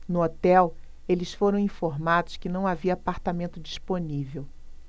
no hotel eles foram informados que não havia apartamento disponível